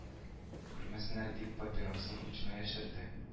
Күрмәсеннәр дип папиросын учына яшерде